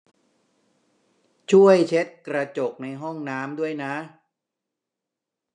ช่วยเช็ดกระจกในห้องน้ำด้วยนะ